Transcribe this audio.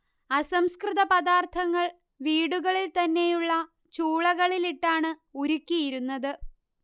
അസംസ്കൃത പദാർത്ഥങ്ങൾ വീടുകളിൽ തന്നെയുള്ള ചൂളകളിൽ ഇട്ടാണ് ഉരുക്കിയിരുന്നത്